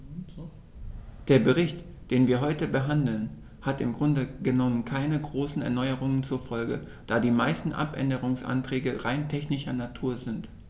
Der Bericht, den wir heute behandeln, hat im Grunde genommen keine großen Erneuerungen zur Folge, da die meisten Abänderungsanträge rein technischer Natur sind.